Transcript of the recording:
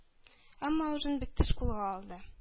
Әмма үзен бик тиз кулга алды.